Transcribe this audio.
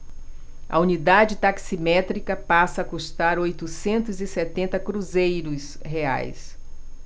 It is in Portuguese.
a unidade taximétrica passa a custar oitocentos e setenta cruzeiros reais